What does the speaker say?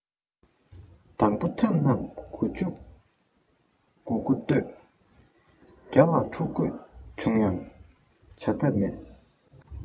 དང པོ ཐབས རྣམས དགུ བཅུ གོ དགུ གཏོད བརྒྱ ལ འཁྲུག དགོས བྱུང ཡང བྱ ཐབས མེད